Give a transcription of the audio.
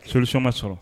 Solution ma sɔrɔ